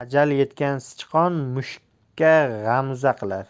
ajali yetgan sichqon mushukka g'amza qilar